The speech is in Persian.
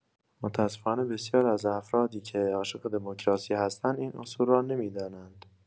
متاسفانه بسیاری از افرادی که عاشق دموکراسی هستند این اصول را نمی‌دانند.